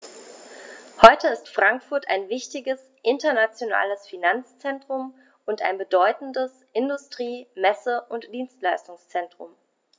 Heute ist Frankfurt ein wichtiges, internationales Finanzzentrum und ein bedeutendes Industrie-, Messe- und Dienstleistungszentrum.